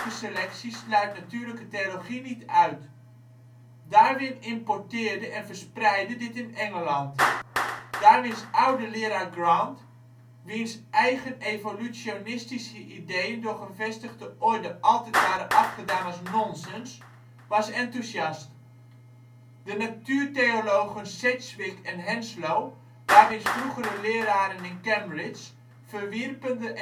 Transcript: selectie sluit natuurlijke theologie niet uit). Darwin importeerde en verspreidde dit in Engeland. Darwins oude leraar Grant, wiens eigen evolutionistische ideeën door de gevestigde orde altijd waren afgedaan als nonsens, was enthousiast. De natuurtheologen Sedgwick en Henslow, Darwins vroegere leraren in Cambridge, verwierpen de